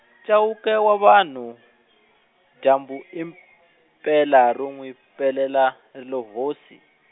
Chauke wa vanhu , dyambu impela ro n'wi, pelela, ri lo hosi.